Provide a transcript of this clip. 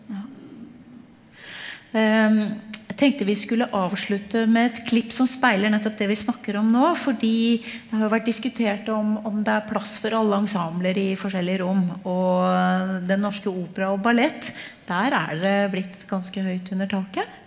jeg tenkte vi skulle avslutte med et klipp som speiler nettopp det vi snakker om nå, fordi det har jo vært diskutert om om det er plass for alle ensembler i forskjellige rom, og Den Norske Opera og Ballett, der er det blitt ganske høyt under taket.